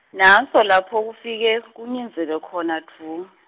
nanso lapha kufike, kunyundzeke khona dvu.